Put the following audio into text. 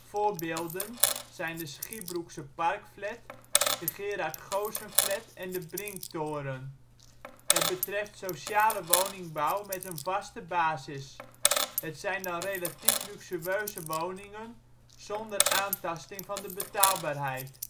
Voorbeelden: Schiebroekse Parkflat, Gerard Goosenflat en de Brinktoren. Het betreft sociale woningbouw met een vaste basis. Het zijn dan relatief luxueuze woningen zonder aantasting van de betaalbaarheid